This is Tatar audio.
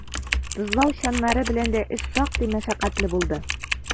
Тозлау чаннары белән дә эш шактый мәшәкатьле булды.